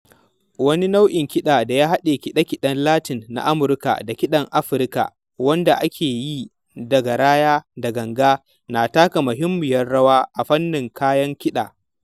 Wani nau'in kiɗa da ya haɗe kide-kiden Latin na Amurka da kiɗin Afirka, wanda ake yi da garaya da ganga na taka muhimmiyar rawa a fannin kayan kiɗa.